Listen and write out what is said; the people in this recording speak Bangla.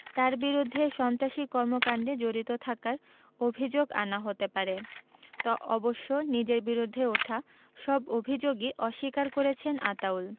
তাঁর বিরুদ্ধে সন্ত্রাসী কর্মকাণ্ডে জড়িত থাকার অভিযোগ আনা হতে পারে অবশ্য নিজের বিরুদ্ধে ওঠা সব অভিযোগই অস্বীকার করেছেন আতাউল